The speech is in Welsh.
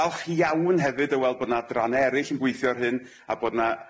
Falch iawn hefyd o weld bo 'na adrane eryll yn gweithio ar hyn a bod 'na